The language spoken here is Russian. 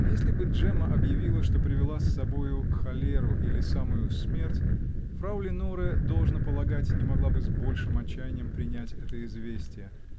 Если бы Джемма объявила, что привела с собою холеру или самую смерть, фрау Леноре, должно полагать, не могла бы с большим отчаянием принять это известие.